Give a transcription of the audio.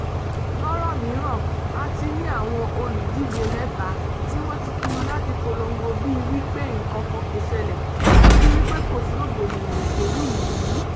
Lórọ̀ mìíràn, a ti ní àwọn olúdíje mẹ́ta tí wọ́n ti pinnu láti polongo bí wípé nǹkankan kò ṣẹlẹ̀ àti bíi wípé kò sí rògbòdìyàn òṣèlú yìí.